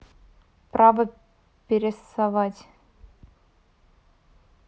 право прессовать